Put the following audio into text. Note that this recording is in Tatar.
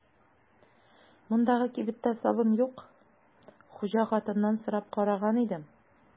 Мондагы кибеттә сабын юк, хуҗа хатыннан сорап караган идем.